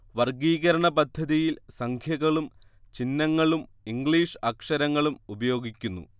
വർഗ്ഗീകരണ പദ്ധതിയിൽ സംഖ്യകളും ചിഹ്നങ്ങളും ഇംഗ്ലീഷ് അക്ഷരങ്ങളും ഉപയോഗിക്കുന്നു